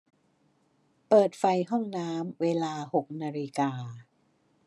เปิดไฟห้องน้ำเวลาหกนาฬิกา